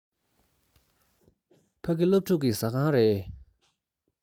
ཕ གི སློབ ཕྲུག གི ཟ ཁང རེད